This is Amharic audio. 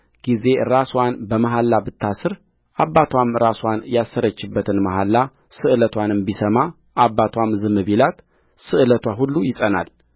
ጊዜ ራስዋን በመሐላ ብታስርአባትዋም ራስዋን ያሰረችበትን መሐላ ስእለትዋንም ቢሰማ አባትዋም ዝም ቢላት ስእለትዋ ሁሉ ይጸናል